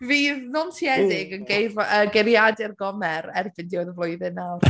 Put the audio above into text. Fydd nonsiedig yn geirfa- yy geiriadur Gomer erbyn diwedd y flwyddyn nawr.